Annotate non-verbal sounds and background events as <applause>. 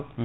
<hesitation> <hesitation>